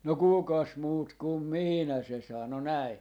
no kukas muut kuin minä se sanoi näin